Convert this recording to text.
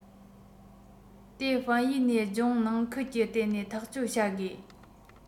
དེ ཧྥན ཡུས ནས ལྗོངས ནང ཁུལ གྱི བརྟེན ནས ཐག གཅོད བྱ དགོས